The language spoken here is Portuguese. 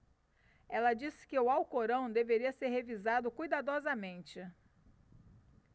ela disse que o alcorão deveria ser revisado cuidadosamente